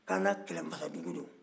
kana kɛlɛmasadugu don